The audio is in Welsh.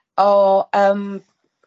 O, yym.